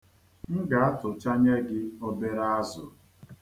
M ga-atụchanye gị obere azu.